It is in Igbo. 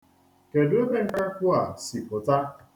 Kedụ ebe nkakwụ a si pụta?